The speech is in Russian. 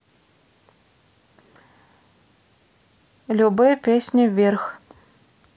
любе песня вверх